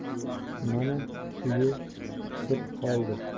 mana uyi isib qoldi